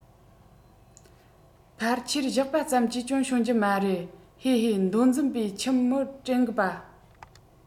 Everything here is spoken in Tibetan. ཕལ ཆེལ བཞག པ ཙམ གྱིས སྐྱོན བྱུང རྒྱུ མ རེད ཧེ ཧེ མདོ འཛིན པས ཁྱིམ མི དྲན གི པ